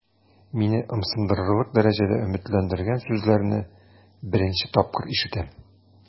Мине ымсындырырлык дәрәҗәдә өметләндергән сүзләрне беренче тапкыр ишетәм.